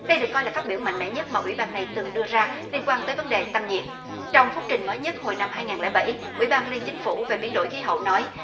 đây được coi là phát biểu mạnh mẽ nhất mà ủy ban này từng đưa ra liên quan tới vấn đề tăng nhiệt trong phúc trình mới nhất hồi năm hai ngàn lẻ bảy ủy ban liên chính phủ về biến đổi khí hậu nói